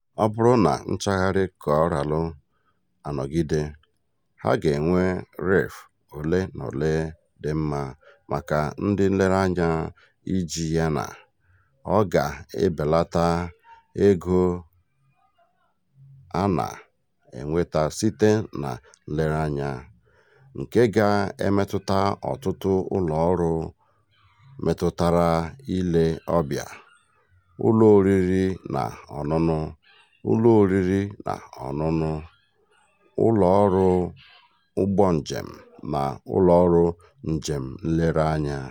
Ọ bụrụ na nchagharị Koraalụ anọgide, ha ga-enwe Reef ole na ole dị mma maka ndị nlereanya ị jee ya na, ọ ga-ebelata ego a na-enweta site na nlereanya, nke ga-emetụta ọtụtụ ụlọọrụ metụtara ile ọbịa: ụlọ oriri na ọṅụṅụ, ụlọ oriri na ọṅụṅụ, ụlọọrụ ụgbọnjem na ụlọọrụ njem nlereanya.